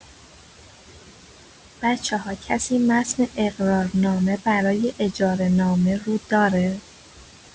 بچه‌ها کسی متن اقرارنامه برای اجاره‌نامه رو داره؟